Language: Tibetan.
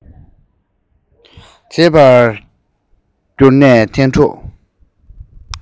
བརྗེད པ གྱུར ནས ཐན ཕྲུག